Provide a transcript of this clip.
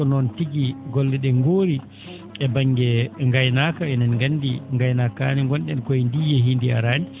ko noon tigi golle ?ee ngoori e ba?nge ngaynaaka enen ngandi ngaynaaka kaa ne ngon?en koye ndi yehii ndi araani